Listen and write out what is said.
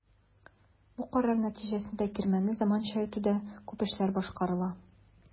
Бу карар нәтиҗәсендә кирмәнне заманча итүдә күп эшләр башкарыла.